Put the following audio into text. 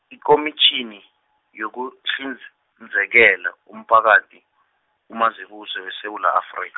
ikomitjhini, yokuhlinz- -nzekela, umphakathi, uMazibuse weSewula Afrik-.